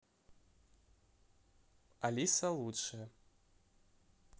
алиса лучше